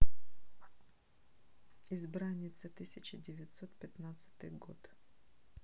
избранница тысяча девятьсот пятнадцатый год